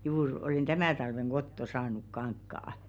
juuri olen tämän talven kotoa saanut kankaan